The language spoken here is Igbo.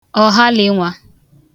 ọ̀halị nwa